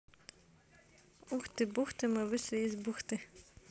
ух ты бухты мы вышли из бухты